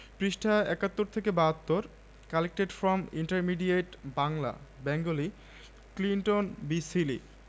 পৃষ্ঠাঃ ৭১ থেকে ৭২ collected from intermediate Bangla Bengali Clinton B Seely